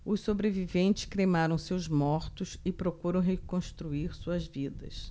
os sobreviventes cremaram seus mortos e procuram reconstruir suas vidas